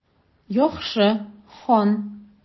Яхшы, хан.